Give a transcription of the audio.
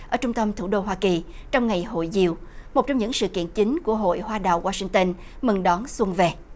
ở trung tâm thủ đô hoa kỳ trong ngày hội diều một trong những sự kiện chính của hội hoa đào oa sinh tân mừng đón xuân về